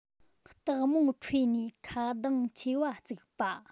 སྟག མོ ཁྲོས ནས ཁ གདངས མཆེ བ གཙིགས པ